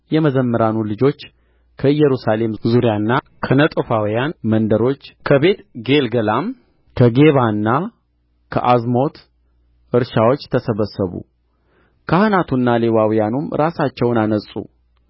የመዘምራኑም በኢየሩሳሌም ዙሪያ መንደሮች ሠርተው ነበርና የመዘምራኑ ልጆች ከኢየሩሳሌም ዙሪያና ከነጦፋውያን መንደሮች ከቤትጌልገላም ከጌባና ከዓዝሞት እርሻዎች ተሰበሰቡ ካህናቱና ሌዋውያኑም ራሳቸውን አነጹ